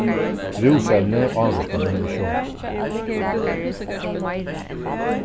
rúsevni ávirka menniskju